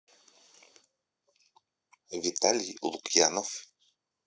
виталик лукьянов